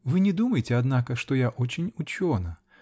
-- Вы не думайте, однако, что я очень учена.